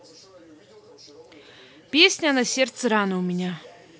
песня на сердце рана у меня